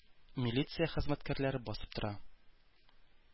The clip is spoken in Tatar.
Милиция хезмәткәрләре басып тора.